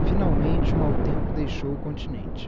finalmente o mau tempo deixou o continente